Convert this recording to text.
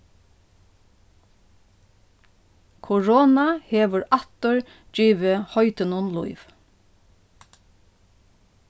korona hevur aftur givið heitinum lív